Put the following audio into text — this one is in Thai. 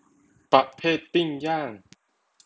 ประเภทปิ้งย่าง